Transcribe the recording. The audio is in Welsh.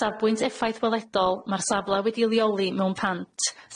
O safbwynt effaith weledol ma'r safle wedi 'i leoli mewn pant